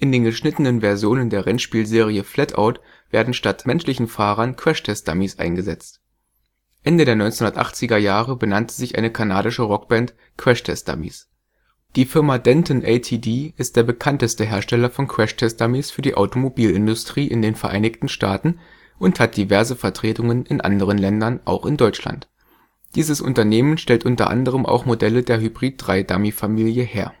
den geschnittenen Versionen der Rennspiel-Serie FlatOut werden statt menschlichen Fahrern Crashtest-Dummies eingesetzt. Ende der 1980er Jahre benannte sich eine kanadische Rockband Crash Test Dummies. Die Firma Denton ATD ist der bekannteste Hersteller von Crashtest-Dummies für die Automobilindustrie in den Vereinigten Staaten und hat diverse Vertretungen in anderen Ländern, auch in Deutschland. Dieses Unternehmen stellt unter anderem auch Modelle der Hybrid-III-Dummy-Familie her